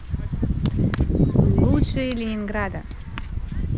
лучшие ленинграда